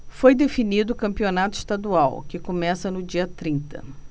foi definido o campeonato estadual que começa no dia trinta